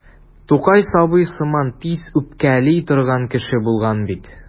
Тукай сабый сыман тиз үпкәли торган кеше булган бит.